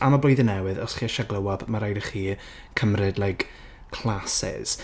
Am y blwyddyn newydd, os chi eisiau Glow up, mae rhaid i chi cymryd like classes...